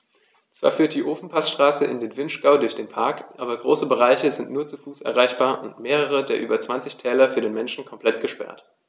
Zwar führt die Ofenpassstraße in den Vinschgau durch den Park, aber große Bereiche sind nur zu Fuß erreichbar und mehrere der über 20 Täler für den Menschen komplett gesperrt.